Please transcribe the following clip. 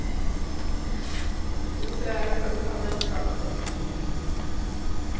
Գուցե այս անգամ էլ ստացված լինի։